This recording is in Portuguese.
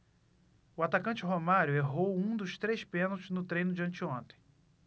o atacante romário errou um dos três pênaltis no treino de anteontem